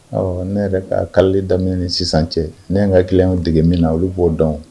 Awɔ ne yɛrɛ ka kalali daminɛ ni sisan cɛ , ne ye n ka clients dege min na olu bo dɔn